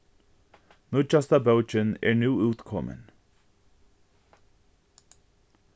nýggjasta bókin er nú útkomin